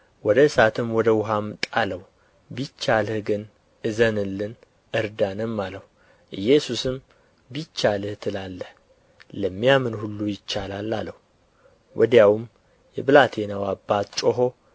ወደ እሳትም ወደ ውኃም ጣለው ቢቻልህ ግን እዘንልን እርዳንም አለው ኢየሱስም ቢቻልህ ትላለህ ለሚያምን ሁሉ ይቻላል አለው ወዲያውም የብላቴናው አባት ጮኾ